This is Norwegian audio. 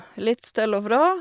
Litt til og fra.